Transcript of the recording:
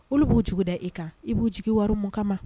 Olu b'o cogo da e kan i b'o jigin warima kamama